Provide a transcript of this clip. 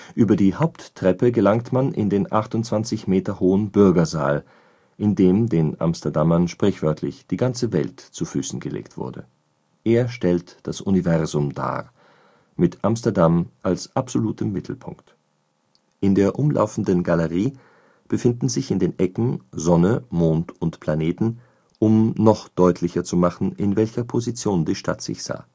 Über die Haupttreppe gelangt man in den 28 Meter hohen Bürgersaal, in dem den Amsterdamern sprichwörtlich die ganze Welt zu Füßen gelegt wurde. Er stellt das Universum dar, mit Amsterdam als absolutem Mittelpunkt. In der umlaufenden Galerie befinden sich in den Ecken Sonne, Mond und Planeten, um noch deutlicher zu machen, in welcher Position die Stadt sich sah